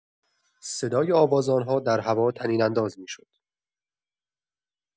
صدای آواز آنها در هوا طنین‌انداز می‌شد.